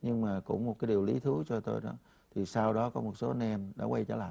nhưng mà cũng có điều lý thú cho tôi thì sau đó có một số nam đã quay trở lại